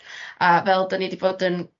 A fel 'dyn ni 'di bod yn